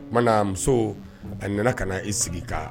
O tuma muso a nana ka na i sigi kan